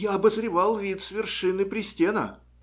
Я обозревал вид с вершины пристена,